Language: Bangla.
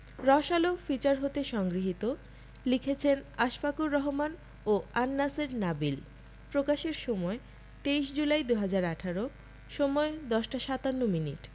রসআলো ফিচার হতে সংগৃহীত লিখেছেনঃ আশফাকুর রহমান ও আন্ নাসের নাবিল প্রকাশের সময়ঃ ২৩ জুলাই ২০১৮ সময়ঃ ১০টা ৫৭ মিনিট